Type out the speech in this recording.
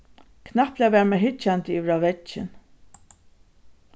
knappliga var mær hyggjandi yvir á veggin